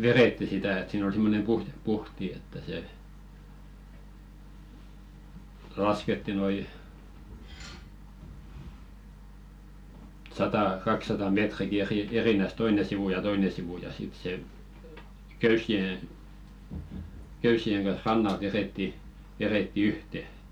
vedettiin sitä että siinä oli semmoinen puhti että se laskettiin noin sata kaksisataa metriäkin - erinään toinen sivu ja toinen sivu ja sitten se köysien köysien kanssa rannalta vedettiin vedettiin yhteen